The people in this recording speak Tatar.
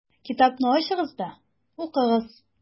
Китапны ачыгыз да укыгыз: